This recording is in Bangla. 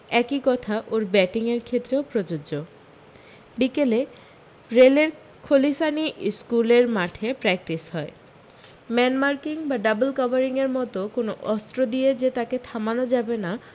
একি কথা ওর ব্যাটিংয়ের ক্ষেত্রেও প্রযোজ্য বিকেলে রেলের খলিসানি ইসকুলের মাঠে প্র্যাকটিস হয় ম্যান মার্কিং বা ডাবল কভারিংয়ের মতো কোনও অস্ত্র দিয়ে যে তাঁকে থামানো যাবে না